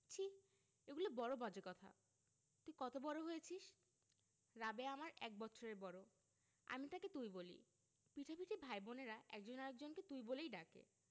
ছিঃ এগুলি বড় বাজে কথা তুই কত বড় হয়েছিস রাবেয়া আমার এক বৎসরের বড় আমি তাকে তুই বলি পিঠাপিঠি ভাই বোনেরা একজন আরেক জনকে তুই বলেই ডাকে